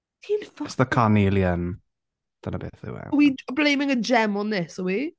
Ti'n fuck-... It's the carnelian, dyna beth yw e... Are we blaming a gem on this are we?*